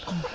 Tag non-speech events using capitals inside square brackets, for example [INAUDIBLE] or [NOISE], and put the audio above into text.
[HESITATION] [HESITATION]